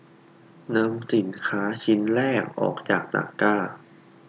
นำสินค้าชิ้นแรกออกจากตะกร้า